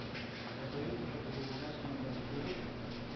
Ә “союзник”лы булуына сөенгән фюрер,